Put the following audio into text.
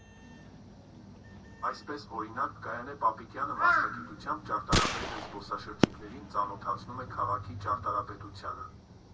Այսպես, օրինակ, Գայանե Պապիկյանը մասնագիտությամբ ճարտարապետ է և զբոսաշրջիկներին ծանոթացնում է քաղաքի ճարտարապետությանը։